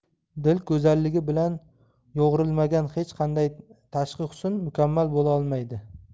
dil go'zalligi bilan yo'g'rilmagan hech qanday tashqi husn mukammal bo'la olmaydi